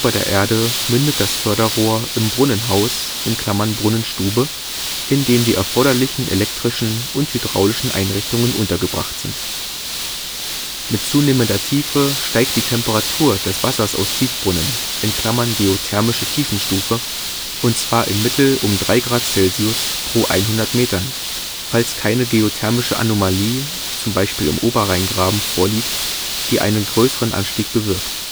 der Erde mündet das Förderohr im Brunnenhaus (Brunnenstube), in dem die erforderlichen elektrischen und hydraulischen Einrichtungen untergebracht sind. Mit zunehmender Tiefe steigt die Temperatur des Wassers aus Tiefbrunnen (geothermische Tiefenstufe), und zwar im Mittel um 3 °C pro 100 m, falls keine geothermische Anomalie (z. B. Oberrheingraben) vorliegt, die einen größeren Anstieg bewirkt